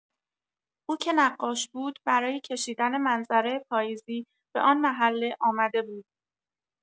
او که نقاش بود، برای کشیدن منظره پاییزی به آن محله آمده بود.